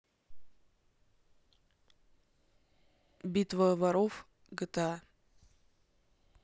битва воров гта